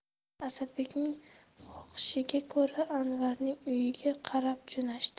asadbekning xohishiga ko'ra anvarning uyiga qarab jo'nashdi